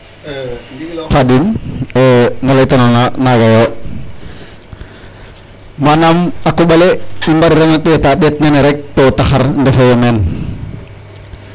Ndigil o Khadim ne laytanoona naaga yo manaam a koƥ ale i mbariran o ɗeeta ɗeet nene rek to taxar ndefeeyo meen.